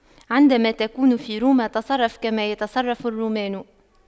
عندما تكون في روما تصرف كما يتصرف الرومان